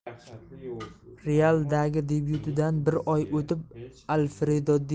real dagi debyutidan bir oy o'tib alfredo